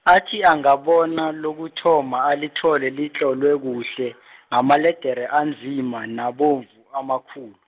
athi angabona lokuthoma alithole litlolwe kuhle, ngamaledere anzima nabovu amakhulu.